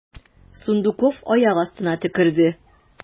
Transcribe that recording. Сундуков аяк астына төкерде.